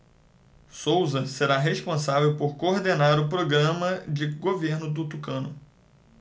souza será responsável por coordenar o programa de governo do tucano